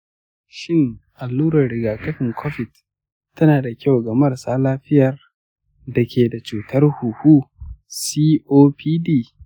shin allurar riga-kafin covid tana da kyau ga marasa lafiyar da ke da cutar huhu copd?